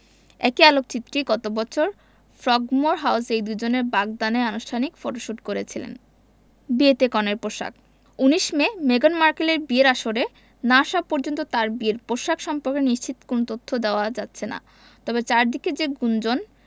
একই আলোকচিত্রী গত বছর ফ্রোগমোর হাউসে এই দুজনের বাগদানের আনুষ্ঠানিক ফটোশুট করেছিলেন বিয়েতে কনের পোশাক ১৯ মে মেগান মার্কেলের বিয়ের আসরে না আসা পর্যন্ত তাঁর বিয়ের পোশাক সম্পর্কে নিশ্চিত কোনো তথ্য দেওয়া যাচ্ছে না তবে চারদিকে যে গুঞ্জন